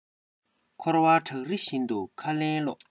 འཁོར བ བྲག རི བཞིན དུ ཁ ལན སློག